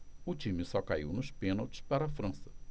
o time só caiu nos pênaltis para a frança